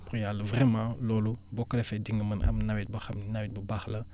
Yàlla vraiment loolu boo ko defee di nga mën am nawet boo xam ne nawet bu baax la